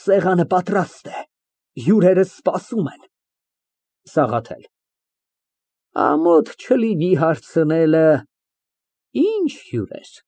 Սեղանը պատրաստ է։ Հյուրերը սպասում են… ՍԱՂԱԹԵԼ ֊Ամոթ չլինի հարցնել ֊ ի՞նչ հյուրեր։